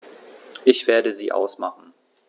Ich werde sie ausmachen.